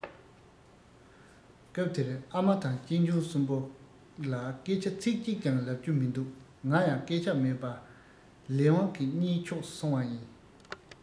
སྐབས དེར ཨ མ དང གཅེན གཅུང གསུམ པོ ལ སྐད ཆ ཚིག གཅིག ཀྱང ལབ རྒྱུ མི འདུག ང ཡང སྐད ཆ མེད པར ལས དབང གི རྙིའི ཕྱོགས སུ སོང བ ཡིན